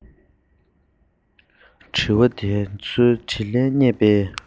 ཉིན དེ ཉི འོད ཤིན ཏུ གསལ བའི ཉིན ཞིག རེད